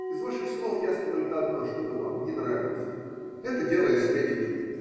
Из ваших слов ясно только одно: что мы вам не нравимся. Это дело эстетики.